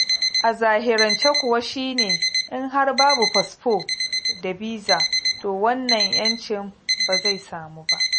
A zahirance kuwa shi ne in har babu fasfo da biza, to wannan 'yancin ba zai samu ba.